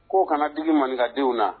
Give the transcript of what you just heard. K'o kana di mangadenw na